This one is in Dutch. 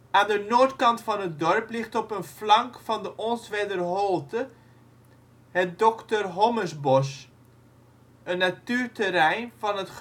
Aan de noordkant van het dorp ligt op een flank van de Onstwedder Holte het dr. Hommesbos, een natuurterrein van het